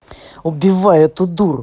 убиваю эту дуру